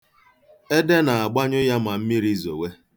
Ede na-agbanyụ ya ma mmiri zowe.